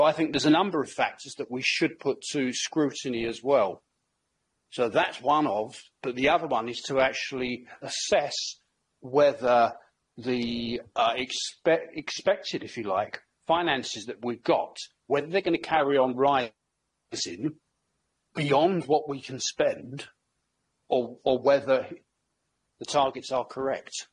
So I think there's a number of factors that we should put to scrutiny as well. So that's one of, but the other one is to actually assess whether the yy expected, if you like, finances that we've got, whether they're going to carry on rising beyond what we can spend, or whether the targets are correct.